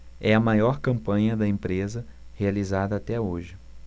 é a maior campanha da empresa realizada até hoje